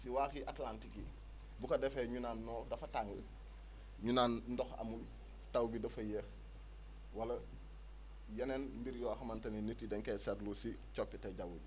si waaxi Atlantique yi bu ko defee ñu naan non dafa tàng énu nan ndox amul taw bi dafa yéex wala yeneen mbir yoo xamante ne nii nit yi dañ koy seetlu si coppite jaww ji